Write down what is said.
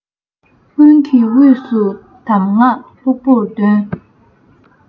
ཀུན གྱི དབུས སུ གདམས ངག ལྷུག པར སྟོན